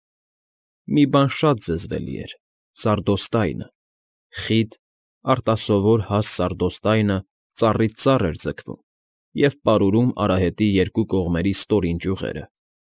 Մի բան շատ զզվելի էր՝ սարդոստայնը, խիտ, արտասովոր հաստ սարդոստայնը ծառից ծառ էր ձգվում և պարուրում արահետի երկու կողմերի ստորին ճյուղերը։